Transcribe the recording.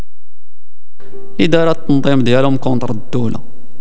اداره تنظيم الدوله